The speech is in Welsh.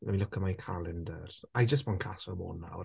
Let me look at my calendar I just want Casa Amor nawr.